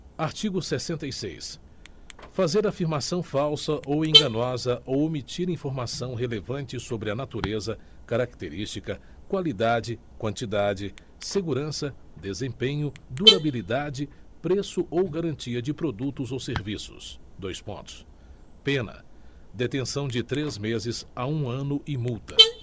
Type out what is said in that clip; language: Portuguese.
artigo sessenta e seis fazer afirmação falsa ou enganosa ou omitir informação relevante sobre a natureza característica qualidade quantidade segurança desempenho durabilidade preço ou garantia de produtos ou serviços dois pontos pena detenção de três meses a um ano e multa